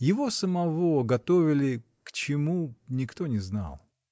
Его самого готовили — к чему — никто не знал.